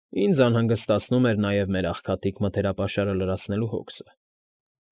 Ինձ անհանգստացնում էր նաև մեր աղքատիկ մթերապաշարը լրացնելու հոգսը։